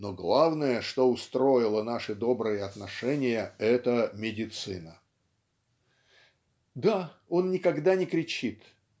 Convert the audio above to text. но главное, что устроило наши добрые отношения, это - медицина" (да. он никогда не кричит